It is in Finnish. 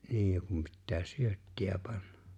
niin ja kun pitää syöttiä panna